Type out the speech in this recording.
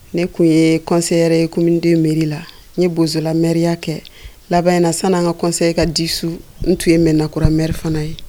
Ne tun ye kɔ yɛrɛ yekden miri la ni bozola mya kɛ laban in na san an ka kɔ ka dis n tun ye mɛnnakɔrɔmerifana ye